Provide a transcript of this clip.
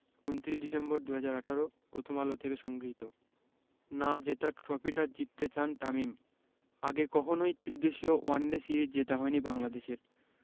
২৯ December ২০১৮ প্রথম আলো হতে সংগৃহীত না জেতা ট্রফিটা জিততে চান তামিম আগে কখনোই ত্রিদেশীয় ওয়ানডে সিরিজ জেতা হয়নি বাংলাদেশের